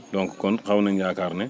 donc kon xaw nañ yaakaar ne